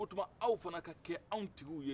o tuma aw fɛnɛ ka kɛ anw tigi ye